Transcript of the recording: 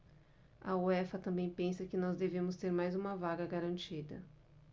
a uefa também pensa que nós devemos ter mais uma vaga garantida